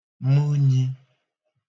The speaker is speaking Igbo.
mənyī